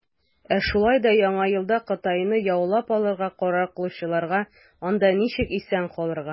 Ә шулай да Яңа елда Кытайны яулап алырга карар кылучыларга, - анда ничек исән калырга.